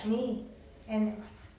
niin ennen vanhaan